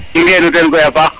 i ngenu ten koy a paax